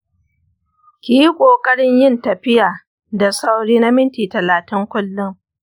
ki yi ƙoƙarin yin tafiya da sauri na minti talatin kullum.